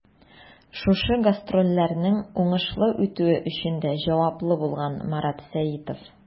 Шушы гастрольләрнең уңышлы үтүе өчен дә җаваплы булган Марат Сәитов.